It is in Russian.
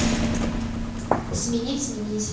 сменить сменить